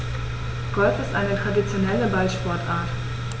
Golf ist eine traditionelle Ballsportart.